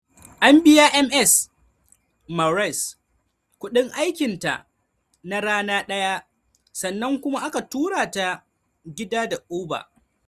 An biya ms. Maurice kudin aikin ta na rana daya sannan kuma aka tura ta gida da uber.